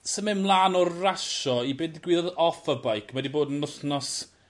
Symu' mlan o rasio i be' digwyddodd off y beic. Ma' 'di bod yn wthnos